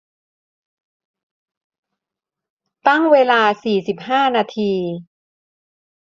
ตั้งเวลาสี่สิบห้านาที